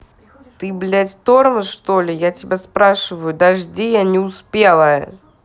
ты блядь тормоз что ли я тебя спрашиваю дожди не успела